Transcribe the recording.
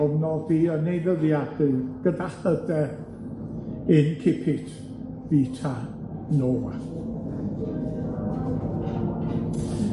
gofnodi yn ei ddyddiadur gyda hyder incipit vita noa.